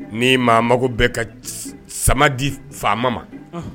Ni maa mago bɛ ka sama di faama ma